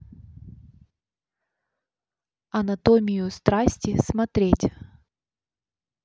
анатомию страсти смотреть